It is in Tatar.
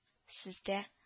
Сездә